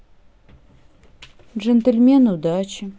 джентльмен удачи